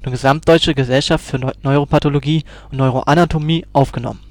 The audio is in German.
Gesellschaft für Neuropathologie in die – nun gesamtdeutsche – Gesellschaft für Neuropathologie und Neuroanatomie aufgenommen